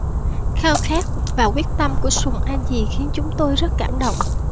khao khát và quyết tâm của sùng a dì khiến chúng tôi rất cảm động